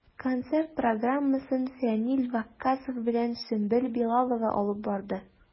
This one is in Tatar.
Концерт программасын Фәнил Ваккасов белән Сөмбел Билалова алып барды.